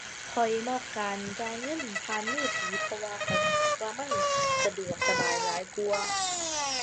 ข้อยมักการจ่ายเงินผ่านมือถือ เพราะว่าข้อยรู้สึกว่ามันสะดวกสบายหลายกว่า